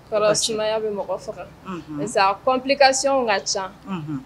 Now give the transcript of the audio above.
Kɔrɔ sumayaya bɛ mɔgɔ faga kɔn kasi ka ca